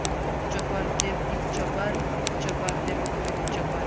ot chopar deb it chopar it chopar deb bit chopar